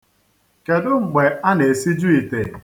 Kedu mgbe a na-esiju ite?